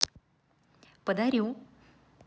подарю